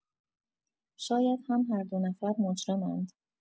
شاید هم هر دو نفر مجرم‌اند.